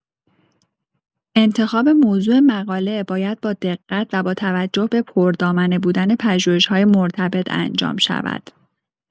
انتخاب موضوع مقاله باید با دقت و با توجه به پردامنه بودن پژوهش‌‌های مرتبط انجام شود.